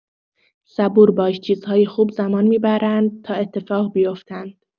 صبور باش، چیزهای خوب زمان می‌برند تا اتفاق بیفتند.